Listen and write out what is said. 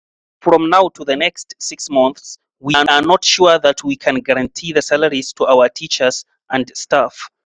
From now to the next six months, we are not sure that we can guarantee the salaries to our teachers and staff.